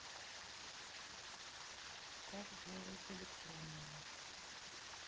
как делают электронные